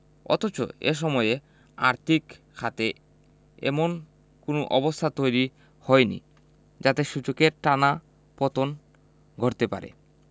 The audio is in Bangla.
অথচ এ সময়ে আর্থিক খাতে এমন কোনো অবস্থা তৈরি হয়নি যাতে সূচকের টানা পতন ঘটতে পারে